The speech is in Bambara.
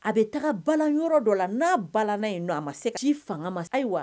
A bɛ taga bala yɔrɔ dɔ la n'a bala yen nɔ a ma se k ci fanga ma ayiwa